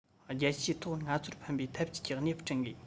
རྒྱལ སྤྱིའི ཐོག ང ཚོར ཕན པའི འཐབ ཇུས ཀྱི གནས བབ བསྐྲུན དགོས